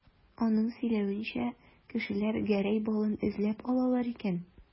Аның сөйләвенчә, кешеләр Гәрәй балын эзләп алалар икән.